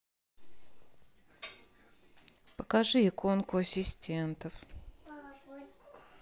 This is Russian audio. покажи иконку ассистентов